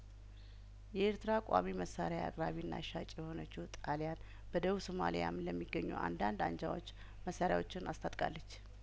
የኤርትራ ቋሚ መሳሪያአቅራቢና ሻጭ የሆነችው ጣሊያን በደቡብ ሶማሊያም ለሚገኙ አንዳንድ አንጃዎች መሳሪያዎችን አስታጥቃለች